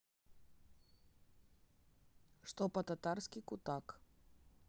что по татарски кутак